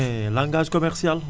mais langage commercial